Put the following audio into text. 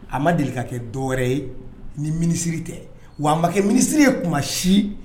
A ma deli ka kɛ dɔwɛrɛ ye ni minisiriri tɛ wa a ma kɛ minisiriri ye tuma si